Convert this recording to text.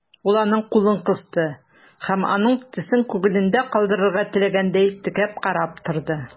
Ул аның кулын кысты һәм, аның төсен күңелендә калдырырга теләгәндәй, текәп карап торды.